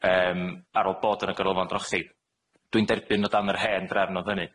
yym ar ôl bod yn y ganolfan drochi. Dwi'n derbyn o dan yr hen drefn o'dd hynny.